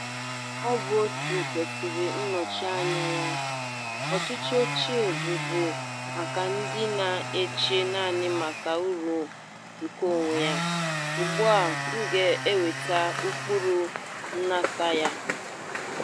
Ọ bụ òtù kwesịrị nnọchiteanya. Ọchịchị ochie bụbu maka ndị na-eche naanị maka uru nke onwe ya. Ugbua m ga-eweta ụkpụrụ nhatanha.